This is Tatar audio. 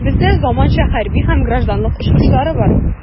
Бездә заманча хәрби һәм гражданлык очкычлары бар.